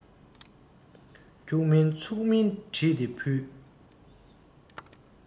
འཁྱུག མིན ཚུགས མིན བྲིས ཏེ ཕུལ